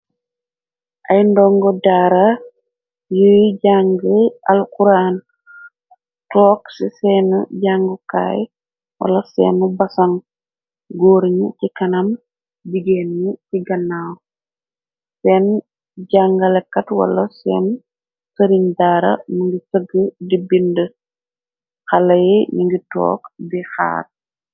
Ay ndong daara yuy jàng alkuran took ci seenu jàngukaay wala seenu basaŋ góur ñ ci kanam digéen ni ci gannaaw seen jàngalekat wala seenu tëriñ daara mu ngi sëgg di bind xala yi ningi took di xaar.